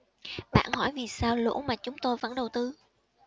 bạn hỏi vì sao lỗ mà chúng tôi vẫn đầu tư